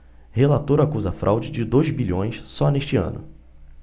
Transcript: relator acusa fraude de dois bilhões só neste ano